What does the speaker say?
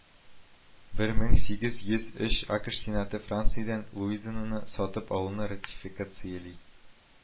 Бер мең сигез йөз акэш сенаты франциядән луизиананы сатып алуны ратификацияли